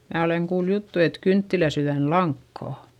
minä olen kuullut juttua että kynttilänsydänlankaa